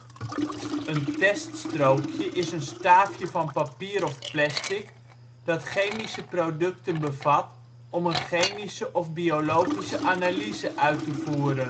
teststrookje is een staafje van papier of plastic dat chemische producten bevat om een chemische of biologische analyse uit te voeren. Om op